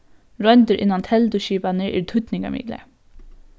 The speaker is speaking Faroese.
royndir innan telduskipanir eru týdningarmiklar